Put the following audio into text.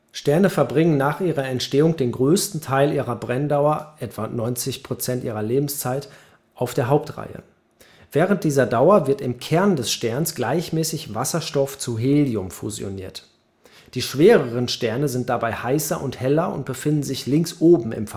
Sterne verbringen nach ihrer Entstehung den größten Teil ihrer Brenndauer (etwa 90 Prozent ihrer Lebenszeit) auf der Hauptreihe. Während dieser Dauer wird im Kern der Sterne gleichmäßig Wasserstoff zu Helium fusioniert. Die schwereren Sterne sind dabei heißer und heller und befinden sich links oben im